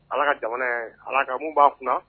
Ala ka jamana ala ka mun b'a kunna